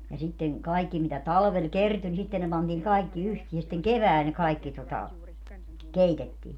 ja sitten kaikki mitä talvella kertyi niin sitten ne pantiin kaikki yhteen ja sitten keväällä ne kaikki tuota keitettiin